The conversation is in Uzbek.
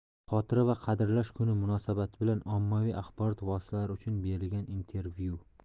xotira va qadrlash kuni munosabati bilan ommaviy axborot vositalari uchun berilgan intervyu